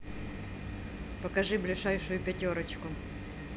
покажи ближайшую пятерочку